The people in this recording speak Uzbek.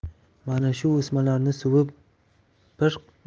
mana shu o'smalar suvi bir